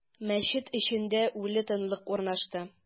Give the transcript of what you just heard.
Мәчет эчендә үле тынлык урнашты.